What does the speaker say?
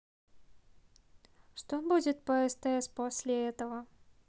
что будет по стс после этого